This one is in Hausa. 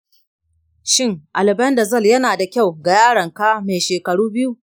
shin albendazole yana da kyau ga yaronka mai shekaru biyu?